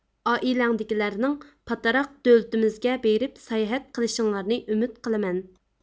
ئائىلەڭدىكىلەرنىڭ پاتراق دۆلىتىمىزگە بېرىپ ساياھەت قىلىشىڭلارنى ئۈمىد قىلىمەن